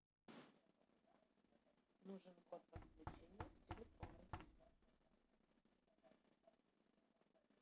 нужен код подключения к телефону